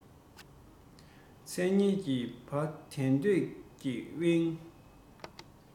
མཚན སྙན གྱི བ དན དོན གྱིས དབེན